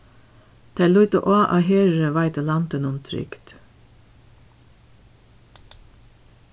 tey líta á at herurin veitir landinum trygd